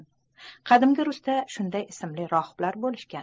qadimgi rusda shunday ismli rohiblar bo'lishgan